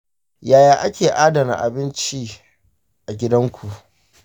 yaya ake adana abinci a gidanku?